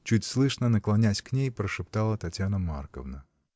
— чуть слышно, наклоняясь к ней, прошептала Татьяна Марковна.